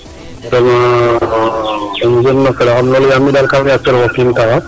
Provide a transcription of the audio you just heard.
Emission ne nuun a felaxam lool yaam mi' daal kam ref o kiin taxar.